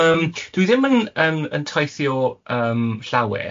Yym dwi ddim yn yym yn taithio yym llawer.